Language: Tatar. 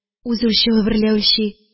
Үз үлчәве берлә үлчи